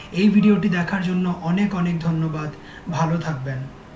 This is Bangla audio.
এই ভিডিওটি দেখার জন্য অনেক অনেক ধন্যবাদ ভালো থাকবেন